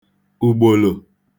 ùgbòlò